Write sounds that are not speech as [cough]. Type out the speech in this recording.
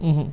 [hesitation] [hesitation]